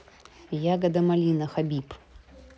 ягода малина хабиб